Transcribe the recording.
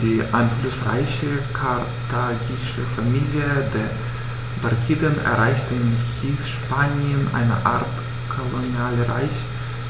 Die einflussreiche karthagische Familie der Barkiden errichtete in Hispanien eine Art Kolonialreich,